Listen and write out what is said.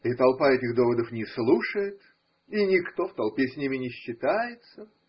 И толпа этих доводов не слушает, и никто в толпе с ними не считается.